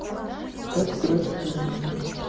как играть в домино